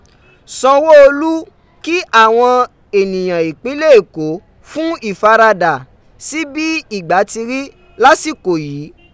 Sanwó Olú kí àwọn ènìyàn ìpínlẹ̀ Èkó fún ìfaradà sí bí ìgbà ti rí lásìkò yìí.